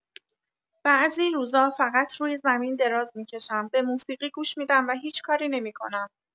بعضی روزا فقط روی زمین دراز می‌کشم، به موسیقی گوش می‌دم و هیچ کاری نمی‌کنم.